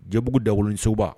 Jɛbugu da wolosowba